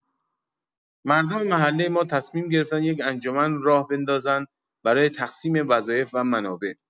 مردم محلۀ ما تصمیم گرفتن یه انجمن راه بندازن برای تقسیم وظایف و منابع.